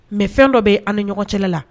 Mɛ fɛn dɔ bɛ an ni ɲɔgɔncɛ la